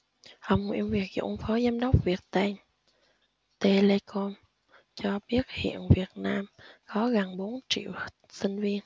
ông nguyễn việt dũng phó giám đốc viettel telecom cho biết hiện việt nam có gần bốn triệu sinh viên